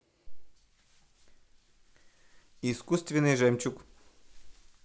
искусственный жемчуг